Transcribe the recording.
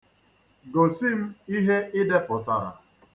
Gosim ihe I depụtara.